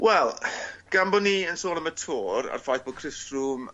Wel gan bo' ni yn sôn am y Tour a'r ffaith bo' Chris Froome